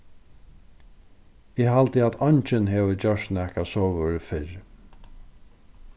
eg haldi at eingin hevur gjørt nakað sovorðið fyrr